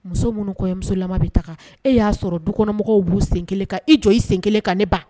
Muso minnu kɔɲɔmuso lama bɛ taa, e y'a sɔrɔ dukɔnɔmɔgɔw b'u sen kelen kan, i jɔ i sen 1 kan ne ba